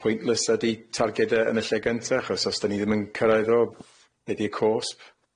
pointless ydi targede yn y lle gynta, achos os 'dyn ni ddim yn cyrraedd nw, be 'di y cosp?